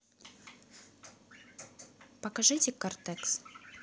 покажите кортекс